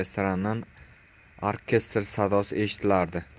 restorandan orkestr sadosi eshitilardi